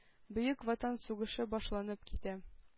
Бөек Ватан сугышы башланып китә.